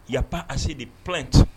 Y a pas assez de plaintes